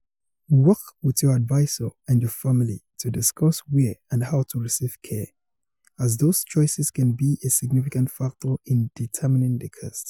Work with your advisor and your family to discuss where and how to receive care, as those choices can be a significant factor in determining the cost.